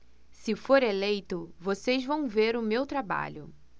se for eleito vocês vão ver o meu trabalho